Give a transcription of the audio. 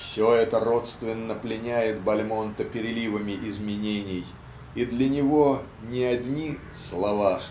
все это родственно пленяет Бальмонта переливами изменений, и для него не одни "слова